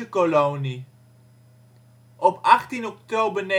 18 oktober 1908